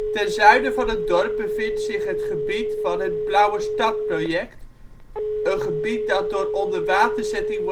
Ten zuiden van het dorp bevindt zich het gebied van het Blauwestad-project, een gebied dat door onderwaterzetting